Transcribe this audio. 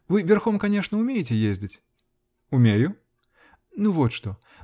-- Вы верхом, конечно, умеете ездить? -- Умею. -- Ну вот что.